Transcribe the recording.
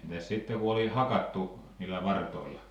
entäs sitten kun oli hakattu niillä vartoilla